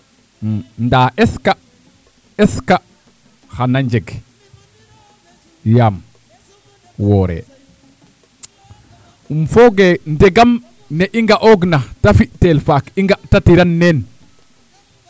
ndaa est ce que est que xana njeg yam wooree im fooge ndegam ne i nga'oogna ta fi'tel faak i nga'tatiren neen a